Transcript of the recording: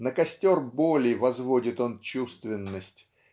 На костер боли возводит он чувственность